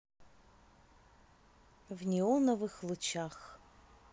в неоновых лучах